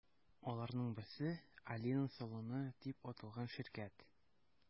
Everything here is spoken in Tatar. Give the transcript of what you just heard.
Аларның берсе – “Алина салоны” дип аталган ширкәт.